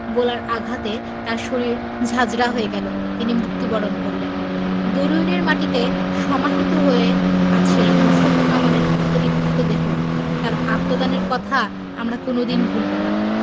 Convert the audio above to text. গোলার আঘাতে তার শরীর ঝাঁঝরা হয়ে গেল তিনি মৃত্যুবরণ করলেন দরুইনের মাটিতে সমাহিত হয়ে আছে মোস্তফা কামালের ক্ষতবিক্ষত দেহ তাঁর আত্মদানের কথা আমরা কোনো দিন ভুলব না